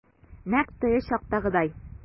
Нәкъ теге чактагыдай.